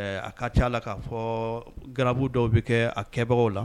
A ka ca a la ka fɔ gbu dɔw bɛ kɛ a kɛbagaw la